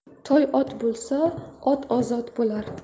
toy ot bo'lsa ot ozod bo'lar